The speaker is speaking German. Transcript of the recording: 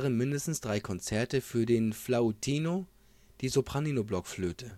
mindestens drei Konzerte für den „ flautino “, die Sopraninoblockflöte